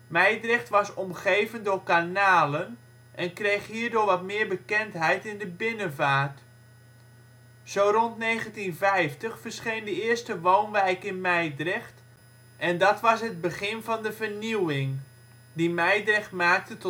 Mijdrecht was omgeven door kanalen, en kreeg hierdoor wat meer bekendheid in de binnenvaart. Zo rond 1950 verscheen de eerste woonwijk in Mijdrecht, en dat was het begin van de vernieuwing, die Mijdrecht maakte